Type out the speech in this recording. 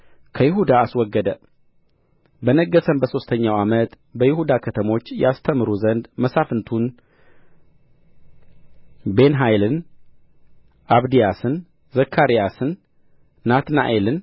ከይሁዳ አስወገደ በነገሠም በሦስተኛው ዓመት በይሁዳ ከተሞች ያስተምሩ ዘንድ መሳፍንቱን ቤንኃይልን አብድያስን ዘካርያስን ናትናኤልን